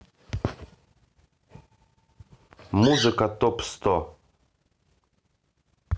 музыка топ сто